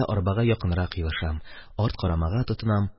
Арбага якынрак елышам, арт карамага тотынам.